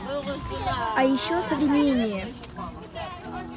а еще современнее